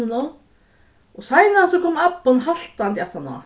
og seinastur kom abbin haltandi aftaná